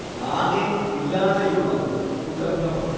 ആകെ ഇല്ലാതെയുള്ളത് സുഗന്ധമാണ്